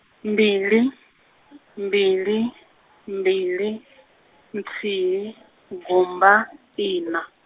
mbili, mbili, mbili, nthihi, gumba, ina.